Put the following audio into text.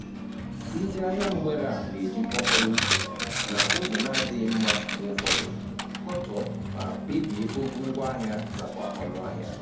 Ndị ahịa mgbere a na-eji mkpọkọrọ uche, na ụzọ na-adịghị mma mgbe ụfọdụ, kọtọ ma kpebie ogo ngwaahịa nakwa ọnụ ahịa.